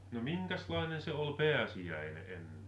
no minkäslainen se oli pääsiäinen ennen